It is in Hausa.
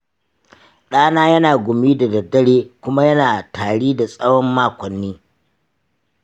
ɗana yana gumi da daddare kuma yana tari na tsawon makonni